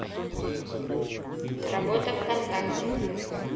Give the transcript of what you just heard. работа вконтакте